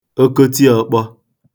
okotiọ̄kpọ̄